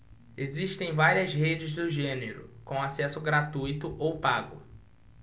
existem várias redes do gênero com acesso gratuito ou pago